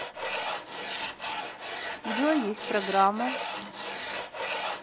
джой есть программа